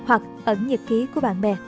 hoặc ẩn nhật ký của bạn bè